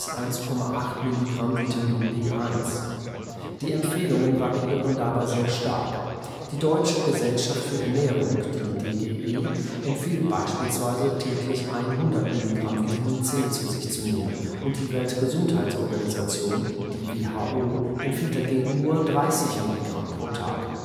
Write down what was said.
1,8 mg Vitamin B1 (Thiamin). Die Empfehlungen variieren dabei sehr stark. Die Deutsche Gesellschaft für Ernährung (DGE) empfiehlt beispielsweise täglich 100 mg Vitamin C zu sich zu nehmen und die Weltgesundheitsorganisation (WHO) empfiehlt dagegen nur 30 mg pro Tag